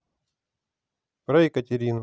про екатерину